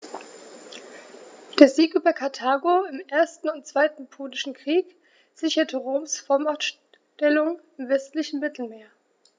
Der Sieg über Karthago im 1. und 2. Punischen Krieg sicherte Roms Vormachtstellung im westlichen Mittelmeer.